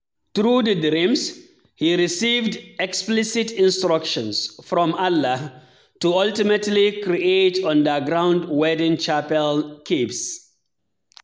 Through the dreams, he received explicit instructions from Allah to ultimately create underground wedding chapel caves.